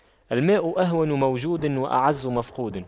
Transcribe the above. الماء أهون موجود وأعز مفقود